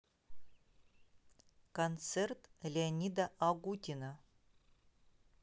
концерт леонида агутина